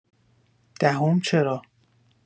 دهم چرا؟